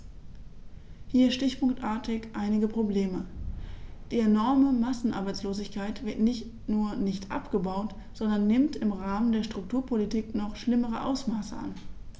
Hier stichpunktartig einige Probleme: Die enorme Massenarbeitslosigkeit wird nicht nur nicht abgebaut, sondern nimmt im Rahmen der Strukturpolitik noch schlimmere Ausmaße an.